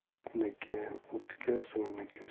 o'tniki o'tga suvniki